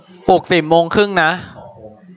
ปลุกสิบโมงครึ่งนะ